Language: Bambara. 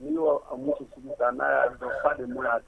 Ni min yo muso sunu ta na ya ye fa de dona